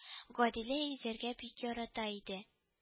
Гадилә йөзәргә бик ярата иде